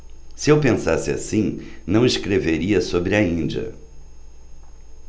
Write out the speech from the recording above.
se eu pensasse assim não escreveria sobre a índia